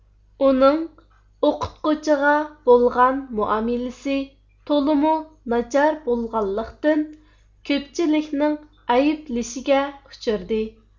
ئۇنىڭ ئوقۇتقۇچىغا بولغان مۇئامىلىسى تولىمۇ ناچار بولغانلىقىتىن كۆپچىلىكنىڭ ئەيىبلىشىگە ئۇچرىدى